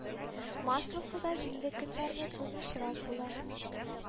Масловкада җилле көннәрне тынычрак була